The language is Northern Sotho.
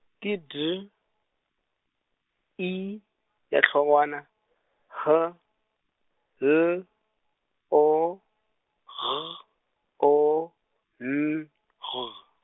ke D, I ya hlogwana, H, L, O, G, O, N, G.